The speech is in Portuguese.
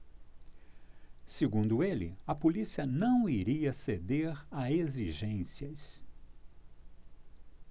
segundo ele a polícia não iria ceder a exigências